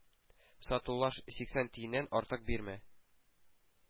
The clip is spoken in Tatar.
Сатулаш, сиксән тиеннән артык бирмә.